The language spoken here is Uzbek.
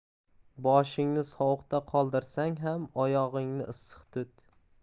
boshingni sovuqda qoldirsang ham oyog'ingni issiq tut